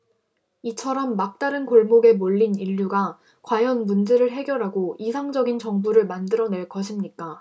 이처럼 막다른 골목에 몰린 인류가 과연 문제를 해결하고 이상적인 정부를 만들어 낼 것입니까